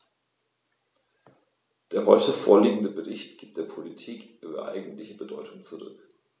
Der heute vorliegende Bericht gibt der Politik ihre eigentliche Bedeutung zurück.